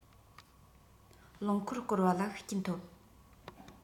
རློང འཁོར བསྐོར བ ལ ཤུགས རྐྱེན ཐོབ